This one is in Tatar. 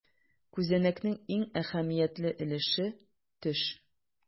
Күзәнәкнең иң әһәмиятле өлеше - төш.